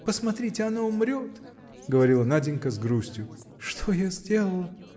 посмотрите: она умрет, – говорила Наденька с грустью, – что я сделала?